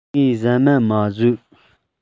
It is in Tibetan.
ངས ཟ མ མ ཟོས